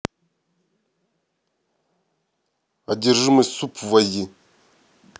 одержимость суп войди